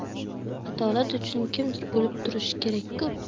adolat uchun kimdir o'lib turishi kerak ku